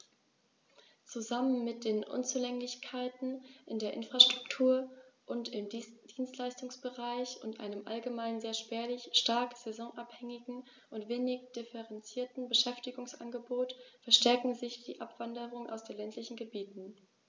Zusammen mit den Unzulänglichkeiten in der Infrastruktur und im Dienstleistungsbereich und einem allgemein sehr spärlichen, stark saisonabhängigen und wenig diversifizierten Beschäftigungsangebot verstärken sie die Abwanderung aus den ländlichen Gebieten.